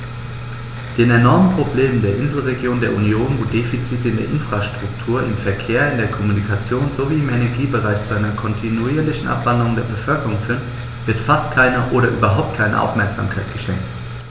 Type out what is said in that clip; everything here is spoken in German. Den enormen Problemen der Inselregionen der Union, wo die Defizite in der Infrastruktur, im Verkehr, in der Kommunikation sowie im Energiebereich zu einer kontinuierlichen Abwanderung der Bevölkerung führen, wird fast keine oder überhaupt keine Aufmerksamkeit geschenkt.